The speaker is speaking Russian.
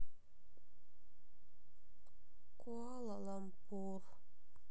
куала лумпур